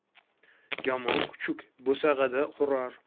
yomon kuchuk bo'sag'ada hurar